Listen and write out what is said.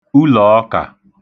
ulọ̀ọkà